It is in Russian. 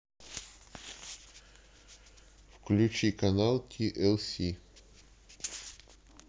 включи канал ти эл си